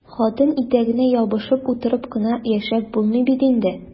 Хатын итәгенә ябышып утырып кына яшәп булмый бит инде!